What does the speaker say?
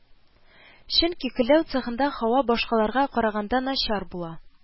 Чөнки көлләү цехында һава башкаларга караганда начар була